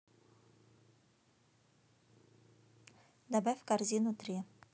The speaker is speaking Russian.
добавь в корзину три